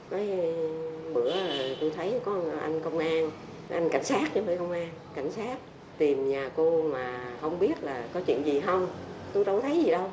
mấy bữa tôi thấy có anh công an anh cảnh sát chứ không phảị công an cảnh sát tìm nhà cô mà hổng biết là có chuyện gì hông tôi đâu có thấy gì đâu